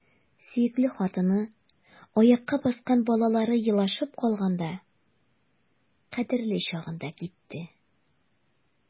Сөекле хатыны, аякка баскан балалары елашып калганда — кадерле чагында китте!